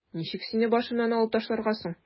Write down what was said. Ничек сине башымнан алып ташларга соң?